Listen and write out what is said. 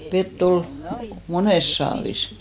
vettä oli monessa saavissa